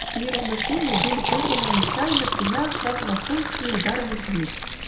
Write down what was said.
Сии размышления были прерваны нечаянно тремя франмасонскими ударами в дверь.